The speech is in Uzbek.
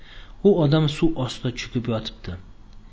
u odam suv ostida cho'kib yotibdi